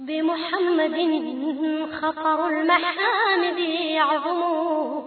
yo